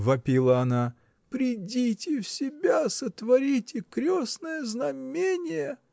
— вопила она, — придите в себя, сотворите крестное знамение!